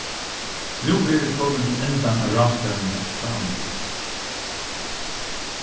nú eru vit komin til endan av ráðstevnuni hjá amnesty